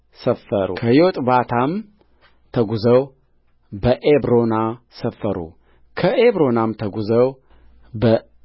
ሰፈሩከዮጥባታም ተጕዘው በዔብሮና ሰፈሩከዔብሮናም ተጕዘው